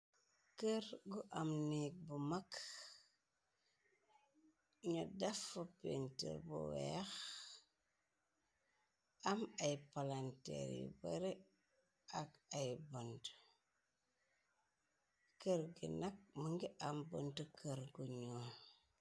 Kër gu am neeg bu mag ñu dafa pentr bu weex am ay palanteer yu bare ak ay bënt kër gi nag mëngi am bënt kër gu ñoo.